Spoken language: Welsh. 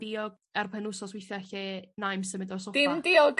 diog ar pen wsnos witha lle nai'm symud o'r soffa. Dim diog.